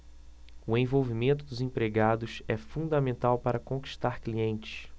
o envolvimento dos empregados é fundamental para conquistar clientes